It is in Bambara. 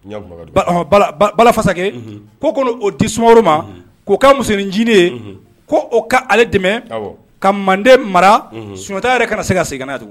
Bala ko o di sumaworo ma ko ka musonincinin ye ko ka ale dɛmɛ ka manden mara sunjatata yɛrɛ se ka segin ka tugun